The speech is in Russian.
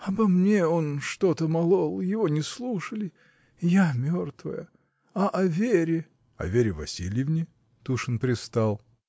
— Обо мне он что-то молол — его и не слушали: я мертвая. а о Вере. — О Вере Васильевне? Тушин привстал.